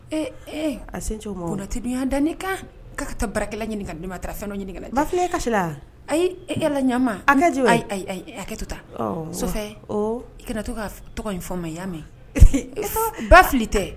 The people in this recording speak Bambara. Ee a tɛbiya dan ne kan' ka taa barakɛla ɲininka ma taara fɛn ɲini bafile ka a e yɛlɛ ɲɛmaa an hakɛ to ta so i kana to ka tɔgɔ in fɔ ma i y yaa mɛ ba fili tɛ